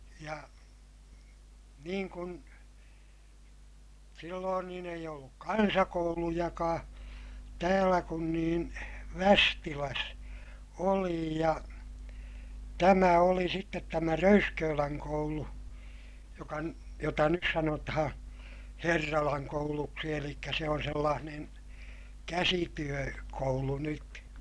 ja niin kuin silloin niin ei ollut kansakoulujakaan täällä kun niin Västilässä oli ja tämä oli sitten tämä Röyskölän koulu - jota nyt sanotaan Herralan kouluksi eli se on sellainen - käsityökoulu nyt